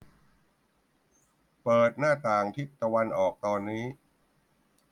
เปิดหน้าต่างทิศตะวันออกตอนนี้